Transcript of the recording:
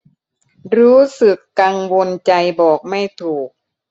รู้สึกกังวลใจบอกไม่ถูก